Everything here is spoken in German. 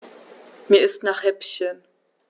Mir ist nach Häppchen.